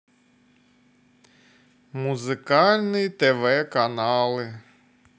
музыкальные тв каналы